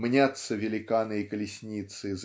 мнятся великаны и колесницы